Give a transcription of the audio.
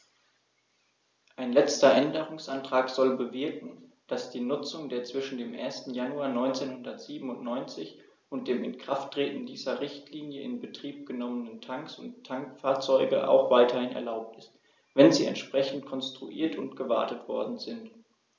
Ein letzter Änderungsantrag soll bewirken, dass die Nutzung der zwischen dem 1. Januar 1997 und dem Inkrafttreten dieser Richtlinie in Betrieb genommenen Tanks und Tankfahrzeuge auch weiterhin erlaubt ist, wenn sie entsprechend konstruiert und gewartet worden sind.